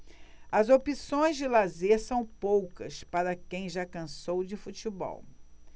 as opções de lazer são poucas para quem já cansou de futebol